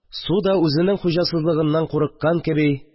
Су да, үзенең хуҗасызлыгыннан курыккан кеби